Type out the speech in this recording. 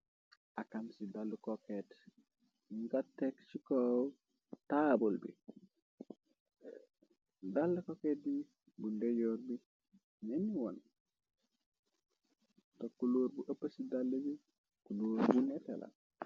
Akam ci dallu koket ngatek ci kow taabul bi dall koket yi bu ndeyoor bi neni won ta kuluur bu ëpp ci dalli kulour bu nettela.